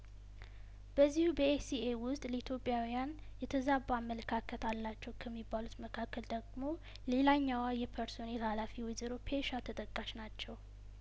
በዚሁ በኤሲ ኤ ውስጥ ለኢትዮጵያውያን የተዛባ አመለካከት አላቸው ከሚባሉት መካከል ደግሞ ሌላኛዋ የፐርሶኔል ሀላፊ ወይዘሮ ፔሻ ተጠቃሽ ናቸው